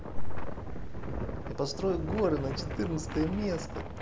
я построю горы на четырнадцатое место